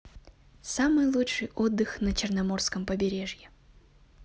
самый лучший отдых на черноморском побережье